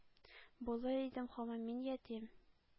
Булыр идем һаман мин ятим,